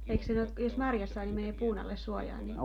eikös siinä ollut kun jos marjassa oli niin menee puun alle suojaan niin